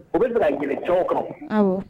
U bɛ taga n gɛlɛncogo kɔnɔ